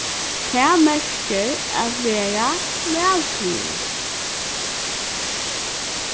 tað merkir at vera væl fyri